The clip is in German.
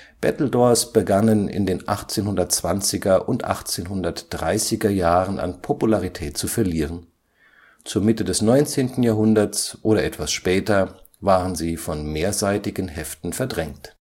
Battledores begannen in den 1820er und 30er Jahren an Popularität zu verlieren. Zur Mitte des 19. Jahrhunderts oder etwas später waren sie von mehrseitigen Heften verdrängt